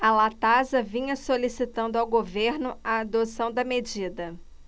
a latasa vinha solicitando ao governo a adoção da medida